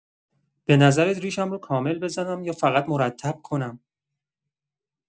به نظرت ریشم رو کامل بزنم یا فقط مرتب کنم؟